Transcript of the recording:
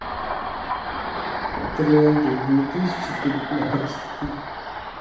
тренды две тысячи пятнадцатый